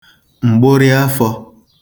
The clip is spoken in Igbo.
m̀gbụrị afọ̄